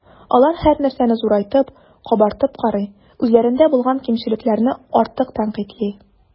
Алар һәрнәрсәне зурайтып, “кабартып” карый, үзләрендә булган кимчелекләрне артык тәнкыйтьли.